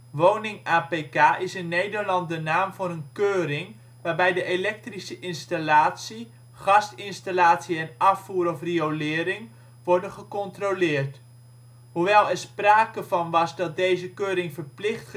Woning-APK is in Nederland de naam voor een keuring waarbij de elektrische installatie, gasinstallatie en afvoer/riolering worden gecontroleerd. Hoewel er sprake van was dat deze keuring verplicht gesteld